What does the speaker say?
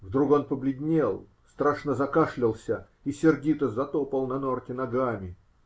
Вдруг он побледнел, страшно закашлялся и сердито затопал на Норти ногами.